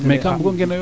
mais kaa mbugo ngenoyo